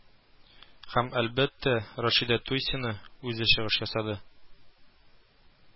Һәм, әлбәттә, Рәшидә Туйсина үзе чыгыш ясады